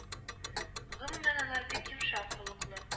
Гомумән, алар бик йомшак холыклы